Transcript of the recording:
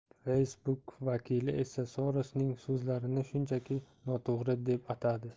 facebook vakili esa sorosning so'zlarini shunchaki noto'g'ri deb atadi